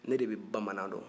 ne de bɛ bamanan dɔn